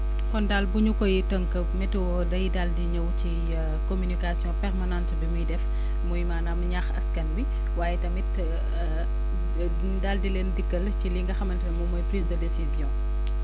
kon daal bu ñu koy tënk météo day daal di ñëw ci communication permanente bi muy def muy maanaam ñaax askan wi waaye tamit daal di leen dikkal ci li nga xamante ne moom mooy prise de décision